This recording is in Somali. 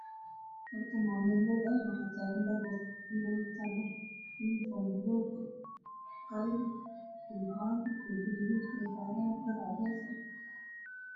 Waa niman fuundiyi ah oo wataan dhar buluug cadaan